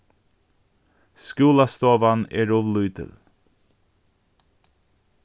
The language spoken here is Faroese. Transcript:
skúlastovan er ov lítil